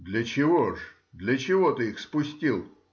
— Для чего же, для чего ты их спустил?